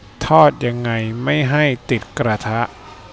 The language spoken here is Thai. ทอดยังไงไม่ให้ติดกระทะ